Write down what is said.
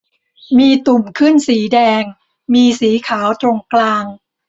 มีตุ่มขึ้นสีแดงมีสีขาวตรงกลาง